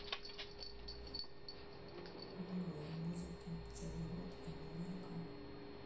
новые музыки пчеловод и малинка